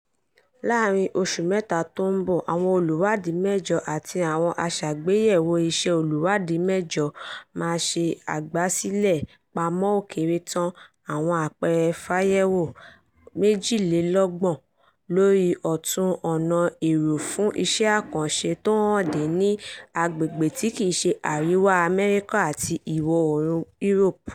Láàárín oṣù mẹ́ta tó ń bọ̀, àwọn olùwádìí mẹ́jọ àti àwọn aṣàgbéyẹ̀wò iṣẹ́ olùwádìí mẹ́jọ máa ṣe àgbàsìlẹ̀-pamọ́ ó kéré tán, àwọn àpeere fáyẹ̀wò 32 lórí ọ̀tun ọ̀nà ẹ̀rọ fún iṣẹ́ àkànṣe tó hànde ní agbègbè tí kìí ṣe Àríwá Amẹ́ríkà àti Ìwọ̀-oòrùn Europe.